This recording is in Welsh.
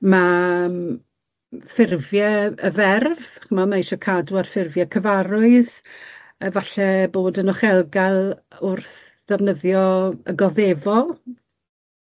Ma' m- ffurfie y ferf, ch'mo ma' isio cadw at ffurfie cyfarwydd efalle bod yn ochelgal wrth ddefnyddio y goddefol.